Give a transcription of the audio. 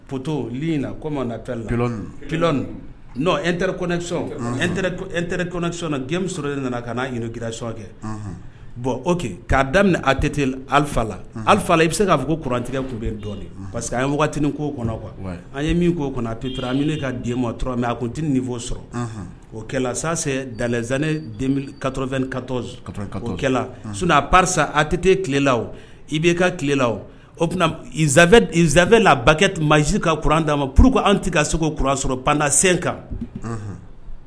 Pto na etɛɛ sɔrɔ nana ka'a gsi kɛ bɔn o k'a daminɛ a tɛte alifala alifala i bɛ se'a fɔ kurantigɛ tun bɛ dɔn parce que an ye waati ko kɔnɔ qu an ye min ko o a te an ne ka den ma tura min a ko n tɛ nin fɔ sɔrɔ o sase da zane kato2 ka sunjata pa a tɛte tilelelaw i bɛ e ka tilelela o zafɛla bakɛ ma ka kuran d' ma pur an tɛ ka seko kuran sɔrɔ pandasen kan